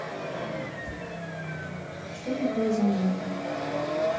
что такое земляника